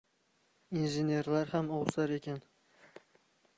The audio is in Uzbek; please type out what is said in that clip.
injenerlar ham ovsar ekan